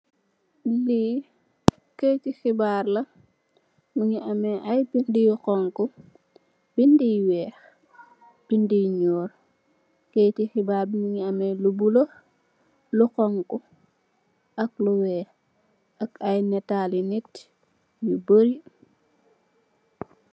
Li kayiti xibarr la mugii ameh ay bindi yu xonxu, bindi yu wèèx ak bindi yu ñuul. Kayiti xibarr bi mugii ameh lu bula lu xonxu ak lu wèèx, ak ay nitali nit ñu bari.